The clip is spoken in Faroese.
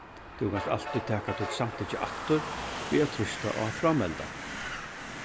tú kanst altíð taka títt samtykki aftur við at trýsta á frámelda